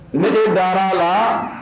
Ne e dar'a la